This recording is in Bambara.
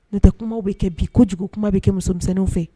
Ne tɛ kumaw bɛ kɛ bi kojugu kuma bɛ kɛ musomisɛnninw fɛ